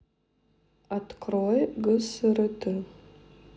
открой гсрт